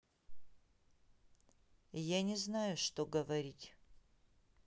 я не знаю что говорить